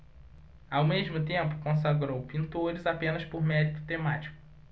ao mesmo tempo consagrou pintores apenas por mérito temático